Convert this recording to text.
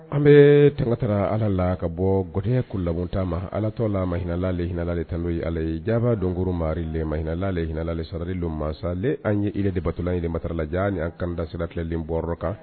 An bɛ tantara ala la ka bɔ g ko lagtama ala tɔ la ma hinalali hinɛinalali tan n' ale ye jabaa don koromarilma hinɛinala hinalali sarari don masa an ye i debato ye de malajan' kanda siratilen bɔ kan